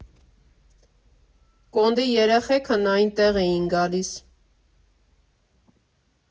Կոնդի երեխեքն այնտեղ էին գալիս։